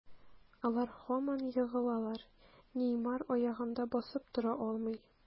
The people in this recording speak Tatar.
Алар һаман егылалар, Неймар аягында басып тора алмый.